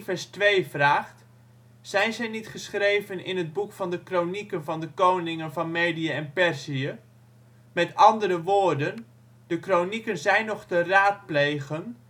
Esther 10:2 vraagt: " Zijn zij niet geschreven in het boek van de kronieken van de koningen van Medië en Perzië? " M.a.w., de kronieken zijn nog te raadplegen